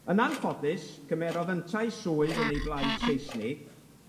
Yn anffodus, cymerodd yntau swydd yn ei blaid Saesnig,